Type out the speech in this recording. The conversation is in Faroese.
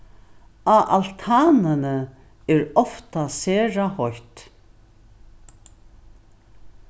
á altanini er ofta sera heitt